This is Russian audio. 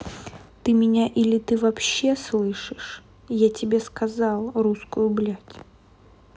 ты меня или ты вообще слышишь я тебе сказал русскую блядь